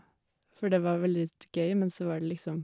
For det var vel litt gøy, men så var det liksom...